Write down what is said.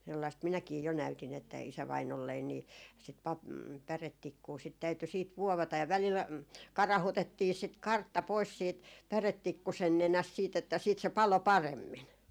sellaista minäkin jo näytin että isävainaalleni niin sitä - päretikkua sitten täytyi sitten vuovata ja välillä - karautettiin sitä kartta pois siitä päretikkusen nenästä sitten että sitten se paloi paremmin